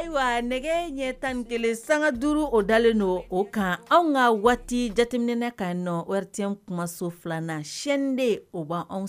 Ayiwa nɛgɛ ɲɛ tan kelen sanga duuru o dalen don o kan anw ka waati jateminɛ ka nɔ warite kumaso filanan sɛ de o b anw fɛ